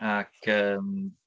Ac, yym.